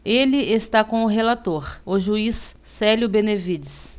ele está com o relator o juiz célio benevides